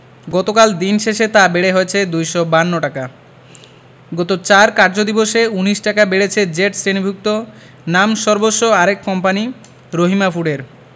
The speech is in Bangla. গতকাল দিন শেষে তা বেড়ে হয়েছে ২৫২ টাকা গত ৪ কার্যদিবসে ১৯ টাকা বেড়েছে জেড শ্রেণিভুক্ত নামসর্বস্ব আরেক কোম্পানি রহিমা ফুডের